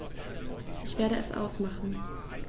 Ich werde es ausmachen